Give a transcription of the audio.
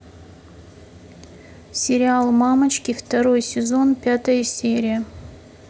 сериал мамочки второй сезон пятая серия